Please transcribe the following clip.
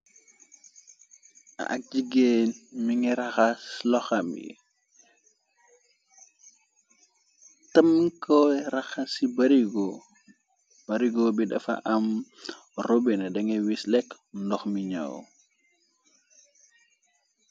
Ak jiggéen mi ngi raxas loxam yi tam koy raxa ci barigo bi dafa am robina dangay wis lake ndox mi ñaw.